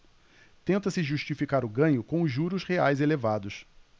tenta-se justificar o ganho com os juros reais elevados